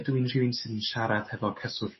ydw i'n rhywun sy'n n siarad hefo cyswllt